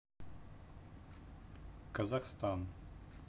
казахстан